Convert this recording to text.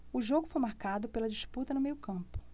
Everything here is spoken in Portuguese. o jogo foi marcado pela disputa no meio campo